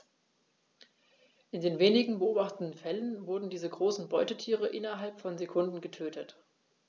In den wenigen beobachteten Fällen wurden diese großen Beutetiere innerhalb von Sekunden getötet.